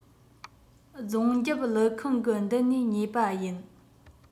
རྫོང རྒྱབ ཀླུ ཁང གི མདུན ནས ཉོས པ ཡིན